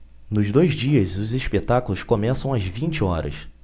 nos dois dias os espetáculos começam às vinte horas